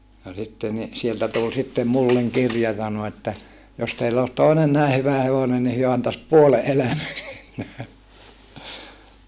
no sitten niin sieltä tuli sitten minulle kirja sanoi että jos teillä olisi toinen näin hyvä hevonen niin he antaisi puolen elämän siitä